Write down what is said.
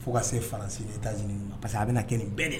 Fo ka se farasen taa ma parce a bɛna kelen nin bɛɛ de